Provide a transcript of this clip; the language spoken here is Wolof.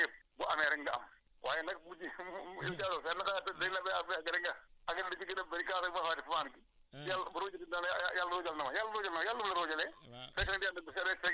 waaye bu fekkee ne da ngeen jiyandoo benn suuf ngeen em li ngeen ji fi ngeen war a jaar ngeen jaar fa yéen ñaar ñëpp bu amee rek nga am waaye nag bu ji fu mu *****